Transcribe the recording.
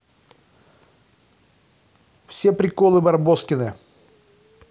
все приколы барбоскины